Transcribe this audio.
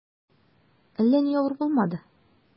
Әллә ни авыр булмады.